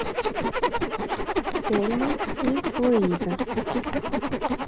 тельма и луиза